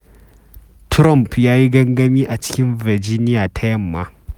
Trump ya yi gangami a cikin Virginia ta Yamma.